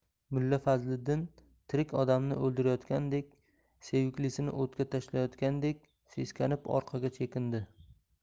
mulla fazliddin tirik odamni o'ldirayotgandek seviklisini o'tga tashlayotgandek seskanib orqaga chekindi